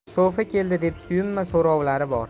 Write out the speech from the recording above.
so'fi keldi deb suyunma so'rovlari bor